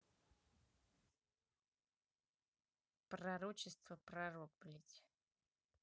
пророчество пророк блядь